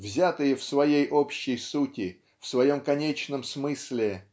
взятые в своей общей сути в своем конечном смысле